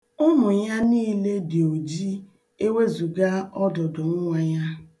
Ụmụ ya niile dị oji ewezuga ọdụdụ nwa ya.